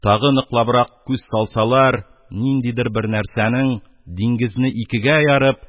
Тагы ныклабрак күз салсалар, ниндидер бер нәрсәнең, диңгезне икегә ярып,